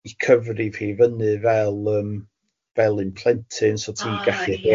i cyfrif hi fyny fel yym fel un plentyn so ti'n gallu... O ie.